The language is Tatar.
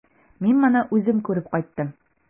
Мин моны үзем күреп кайттым.